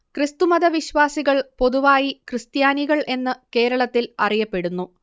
ക്രിസ്തുമത വിശ്വാസികൾ പൊതുവായി ക്രിസ്ത്യാനികൾ എന്ന് കേരളത്തിൽ അറിയപ്പെടുന്നു